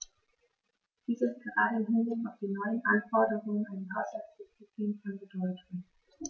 Dies ist gerade im Hinblick auf die neuen Anforderungen an die Haushaltsdisziplin von Bedeutung.